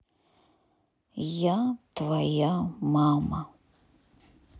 я твоя мама